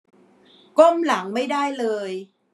ก้มหลังไม่ได้เลย